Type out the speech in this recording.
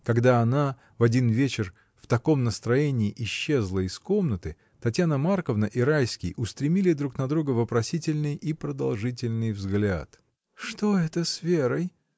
Когда она, в один вечер, в таком настроении исчезла из комнаты, Татьяна Марковна и Райский устремили друг на друга вопросительный и продолжительный взгляд. — Что это с Верой?